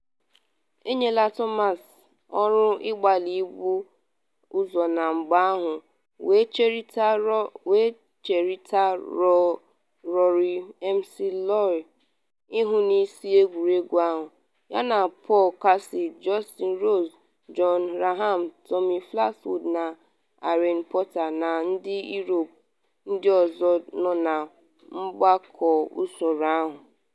Enyela Thomas ọrụ ịgbalị ibu ụzọ na mgba ahụ wee cherịta Rory McIlroy ihu n’isi egwuregwu ahụ, yana Paul Casey, Justin Rose, Jon Rahm, Tommy Fleetwood na Ian Poulter na ndị Europe ndị ọzọ nọ na mgbago usoro ahụ.